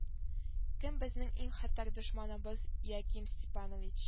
Кем безнең иң хәтәр дошманыбыз яким степанович